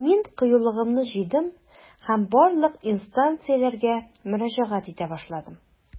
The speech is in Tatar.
Мин кыюлыгымны җыйдым һәм барлык инстанцияләргә мөрәҗәгать итә башладым.